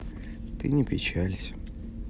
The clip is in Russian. ты не печалься